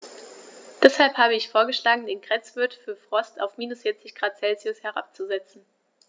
Deshalb habe ich vorgeschlagen, den Grenzwert für Frost auf -40 ºC herabzusetzen.